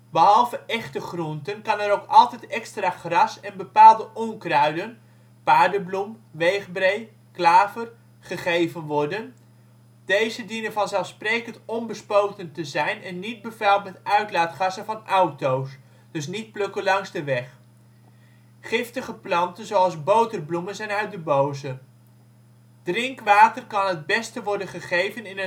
Behalve echte groenten, kan er ook altijd extra gras en bepaalde onkruiden (paardenbloem, weegbree, klaver) gegeven worden, deze dienen vanzelfsprekend onbespoten te zijn en niet bevuild met uitlaatgassen van auto 's (dus niet plukken langs de weg!). Giftige planten zoals boterbloemen zijn uit den boze. Drinkwater kan het beste worden gegeven in